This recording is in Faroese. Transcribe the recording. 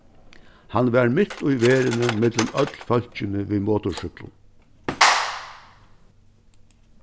hann var mitt í verðini millum øll fólkini við motorsúkklum